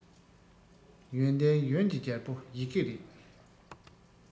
ཡོན ཏན ཡོངས ཀྱི རྒྱལ པོ ཡི གེ རེད